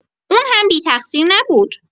اون هم بی‌تقصیر نبود.